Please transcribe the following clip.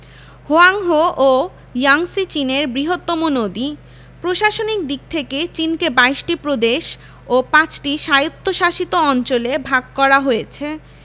Hwang Ho ও Yangtze চীনের বৃহত্তম নদী প্রশাসনিক দিক থেকে চিনকে ২২ টি প্রদেশ ও ৫ টি স্বায়ত্তশাসিত অঞ্চলে ভাগ করা হয়েছে